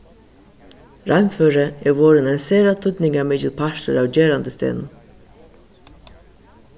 reinføri er vorðin ein sera týdningarmikil partur av gerandisdegnum